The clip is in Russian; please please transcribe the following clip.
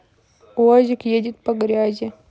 уазик едет по грязи